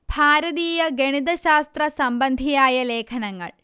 ഭാരതീയ ഗണിത ശാസ്ത്ര സംബന്ധിയായ ലേഖനങ്ങൾ